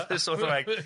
Ystlys wrth wraig.